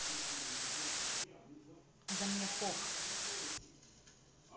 да мне пох